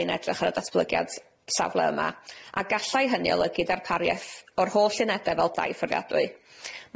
edrych ar y datblygiad safle yma a gallai hynny olygu darparieth o'r holl unede fel tai fforiadwy.